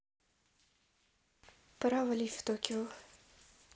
пора валить в токио